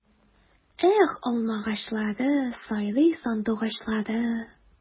Эх, алмагачлары, сайрый сандугачлары!